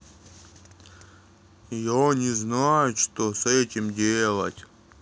я не знаю что с этим делать